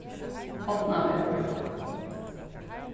fornavegur